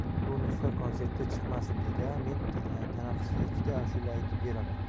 bu nusxa kontsertda chiqmasin dedi a men tanaffusda ikkita ashula aytib beraman